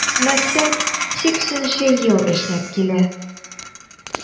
Мәктәп 6 нчы ел эшләп килә.